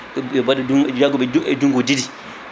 ɓe mbaɗa ɗumɓe jagguɓe e junggo ɗiɗi